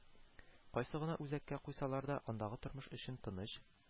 Кайсы гына үзәккә куйсалар да, андагы тормыш өчен тыныч